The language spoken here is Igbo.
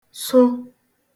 so